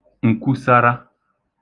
ǹkwusara